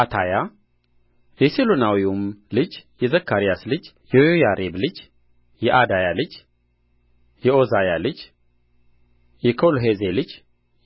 አታያ የሴሎናዊውም ልጅ የዘካርያስ ልጅ የዮያሪብ ልጅ የዓዳያ ልጅ የዖዛያ ልጅ የኮልሖዜ ልጅ